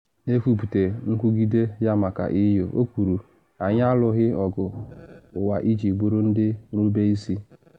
Na ekwupute nkwugide ya maka EU, o kwuru: “Anyị alụghị ọgụ ụwa iji bụrụ ndị nrube isi.